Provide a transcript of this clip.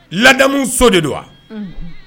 Ladamu so de don wa, unhun